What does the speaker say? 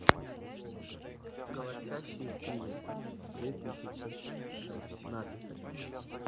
голосящий кивин две тысячи шестнадцать